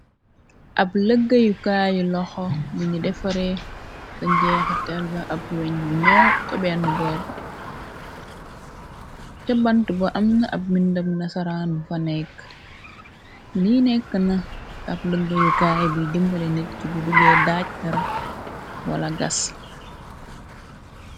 Ab lëggayukaayu loxo binu defaree ta njeexu telba ab weñ bu ñëw ca benn boorba ca bant bu amna ab mindëm nasaraanbu fa nekk li nekk na ab lëggayukaay biy dimbale nit ci bu bugee daaj tara wala gas.